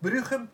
Bruchem